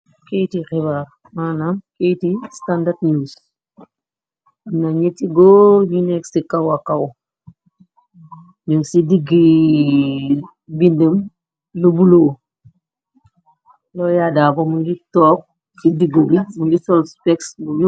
Kayiti xibaar, manam kayiti standard news, amna ñetti góor ñu nek ti kawa kaw, ñu ci diggi bindiw bu buloo Lawyer Darbo mingi toog ci digg bi, mungi sol speks bu nyuul.